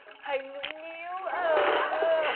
hay nhũng nhẽo ơ